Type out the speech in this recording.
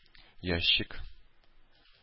Ящик